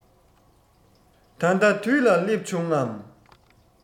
ད ལྟ དུས ལ བསླེབས བྱུང ངམ